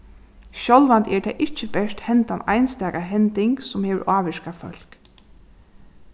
sjálvandi er tað ikki bert hendan einstaka hending sum hevur ávirkað fólk